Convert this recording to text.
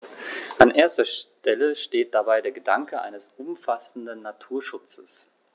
An erster Stelle steht dabei der Gedanke eines umfassenden Naturschutzes.